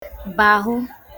bàhụ